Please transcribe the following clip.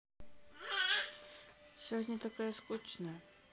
сегодня такая скучная